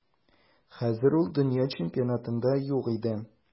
Хәзер ул дөнья чемпионатында юк иде.